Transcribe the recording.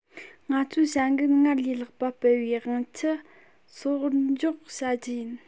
ང ཚོའི བྱ འགུལ སྔར ལས ལྷག པ སྤེལ བའི དབང ཆ སོར འཇོག བྱ རྒྱུ ཡིན